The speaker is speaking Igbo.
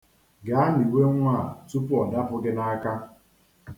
Gaa niwe nwa a tupu o dapu gi n'aka.